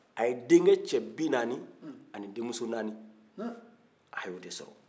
a ye denkɛ cɛ bi naani ani denmuso naani a y'o de sɔrɔ